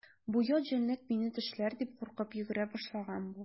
Бу ят җәнлек мине тешләр дип куркып йөгерә башлаган бу.